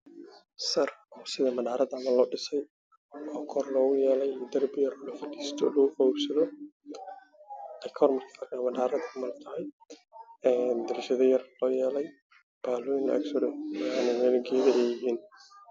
Waa sar oo loo dhisay sidii munaasabadda camal waxaa geesiyada shan daaqado oo lagu talagalay qabowdo